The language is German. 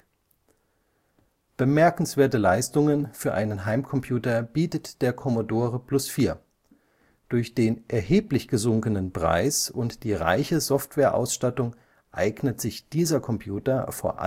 Bemerkenswerte Leistungen für einen Heimcomputer bietet der Commodore Plus/4. Durch den erheblich gesunkenen Preis und die reiche Softwareausstattung eignet sich dieser Computer vor